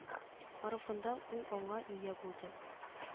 Марафонда ул аңа ия булды